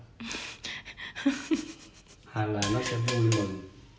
nó sẽ vui mừng